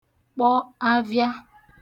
kpọ avịa